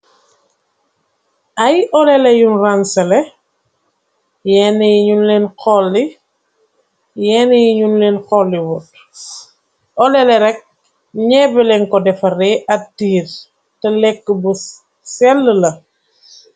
Ay olele yu ransale yenn yi ñuñ leen xoolliwoot olele rekk ñeebeleen ko defar ree ak tiir te lekk bu sell la.